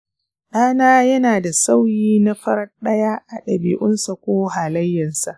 ɗana yana da sauyi na farat ɗaya a dabi'unsa ko halayensa.